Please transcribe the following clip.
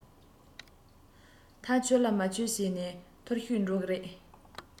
ཐག ཆོད ལ མ ཆོད བྱས ན འཐུས ཤོར འགྲོ གི རེད